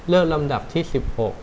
เลือกลำดับที่สิบหก